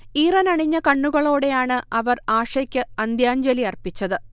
ഈറനണിഞ്ഞ കണ്ണുകളോടെയാണ് അവർ ആഷയ്ക്ക് അന്ത്യാജ്ഞലി അർപ്പിച്ചത്